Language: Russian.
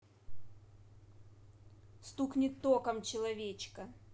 стукнет током человечка